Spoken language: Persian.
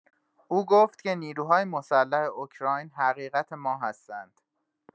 او گفت که نیروهای مسلح اوکراین حقیقت ما هستند.